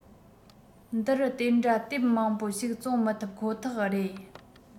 འདིར དེ འདྲ དེབ མང པོ ཞིག བཙོང མི ཐུབ ཁོ ཐག རེད